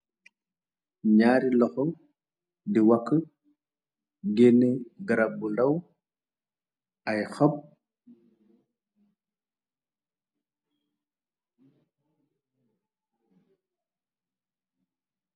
Nyaari loxo di wakk génne garab bu ndaw ay xab.